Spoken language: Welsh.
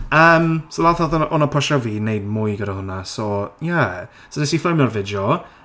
Yym so wnaeth hwnna pwsio fi i wneud mwy gyda hwnna. So yeah. So wnes i ffilmio'r fideo...